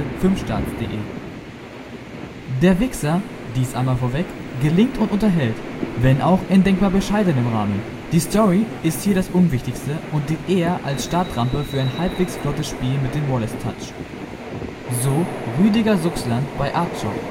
Filmstarts.de „ Der Wixxer, dies einmal vorweg, gelingt und unterhält, wenn auch in denkbar bescheidenem Rahmen. Die Story ist hier das Unwichtigste und dient eher als Startrampe für ein halbwegs flottes Spiel mit dem Wallace-Touch. “– Rüdiger Suchsland bei Artechock